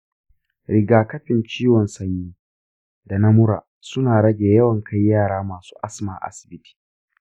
rigakafin ciwon sanyi da na mura suna rage yawan kai yara masu asma asibiti.